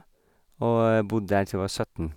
Og bodde der til jeg var søtten.